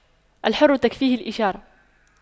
الحر تكفيه الإشارة